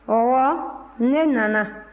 ɔwɔ ne nana